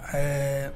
Ɛɛ!